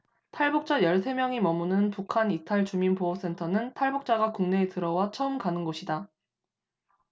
탈북자 열 세 명이 머무는 북한이탈주민보호센터는 탈북자가 국내에 들어와 처음 가는 곳이다